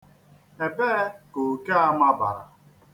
Ebee ka oke a mabara.